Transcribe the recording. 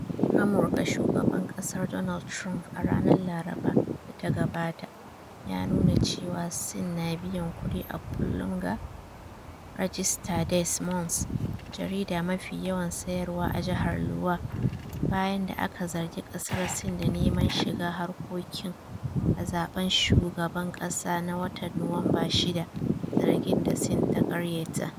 Amurka Shugaban kasar Donald Trump a ranar Laraba da ta gabata ya nuna cewa Sin na biyan kudi a kullum ga ragista Des Moines - Jarida mafi yawan sayarwa a Jihar Iowa - bayan da aka zarge kasar Sin da neman shiga harkokin a zaben shugaban kasa na watan Nuwamba 6, zargin da Sin ta karyata.